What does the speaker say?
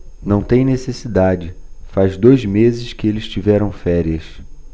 não tem necessidade faz dois meses que eles tiveram férias